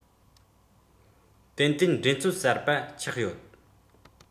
ཏན ཏན འགྲན རྩོད གསར པ ཆགས ཡོད